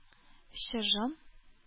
Чыжым